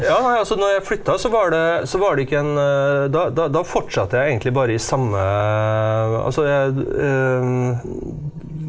ja nei altså når jeg flytta så var det så var det ikke en da da da fortsatte jeg egentlig bare i samme altså jeg .